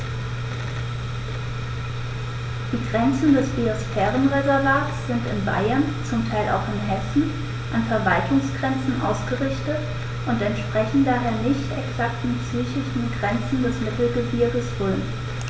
Die Grenzen des Biosphärenreservates sind in Bayern, zum Teil auch in Hessen, an Verwaltungsgrenzen ausgerichtet und entsprechen daher nicht exakten physischen Grenzen des Mittelgebirges Rhön.